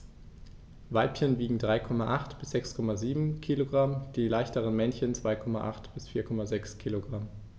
Weibchen wiegen 3,8 bis 6,7 kg, die leichteren Männchen 2,8 bis 4,6 kg.